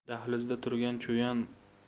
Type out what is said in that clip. dahlizda turgan cho'yan